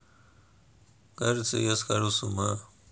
кажется я схожу с ума